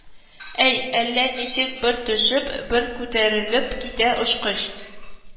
Әй, әллә ничек бер төшеп, бер күтәрелеп китә очкыч